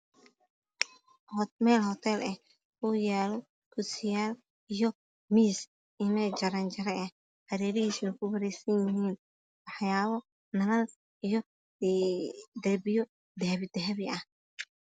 Waa meel hotel ah uu yaallo kursi jaraanjaro waxyaabo nalal iyo dahabi dahabi ah